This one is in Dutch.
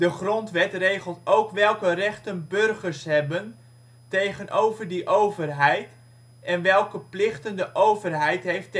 grondwet regelt ook welke rechten burgers hebben tegenover die overheid en welke plichten de overheid heeft